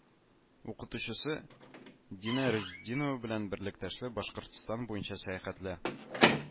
Укытучысы динә разетдинова белән берлектә башкортстан буенча сәяхәтлә